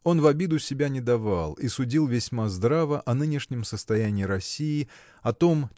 он в обиду себя не давал и судил весьма здраво о нынешнем состоянии России о том